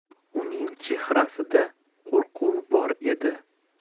uning chehrasida qo'rquv bor edi